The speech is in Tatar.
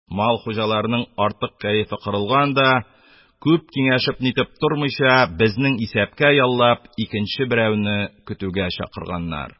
Мал хуҗаларының артык кәефе кырылган да, күп киңәшеп-нитеп тормыйча, безнең исәпкә яллап, икенче берәүне көтүгә чыгарганнар.